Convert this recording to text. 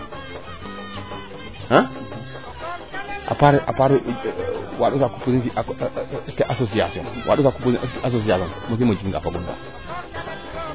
a part waand o saaku fi association waand o saaku fin association muj tum fagun faak